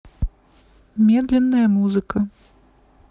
медленная музыка